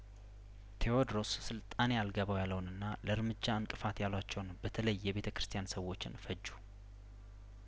ቴዎድሮስ ስልጣኔ አልገባው ያለውንና ለእርምጃ እንቅፋት ያሏቸውን በተለይ የቤተ ክርስቲያን ሰዎችን ፈጁ